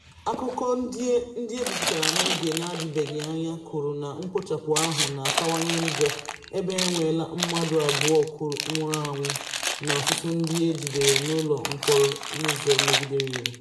Akụkọ ndị e bipụtara n'oge n'adịbeghị anya kwuru na mkpochapụ ahụ na-akawanye njọ, ebe e enweela mmadụ abụọ nwụrụ anwụ na ọtụtụ ndị e jidere n'ụlọ mkpọrọ n'ụzọ megidere iwu.